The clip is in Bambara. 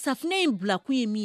Safunɛ in bila kun ye min y